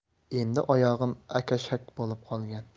endi oyog'im akashak bo'lib qolgan